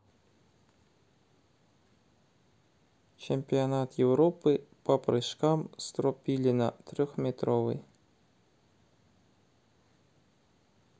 чемпионат европы по прыжкам стропилина трехметровый